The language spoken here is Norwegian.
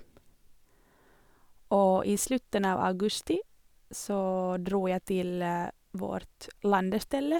Og i slutten av august så dro jeg til vårt landeställe.